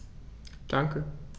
Danke.